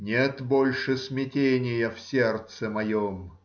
Нет больше смятения в сердце моем